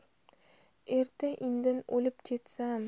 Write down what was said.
erta indin o'lib ketsam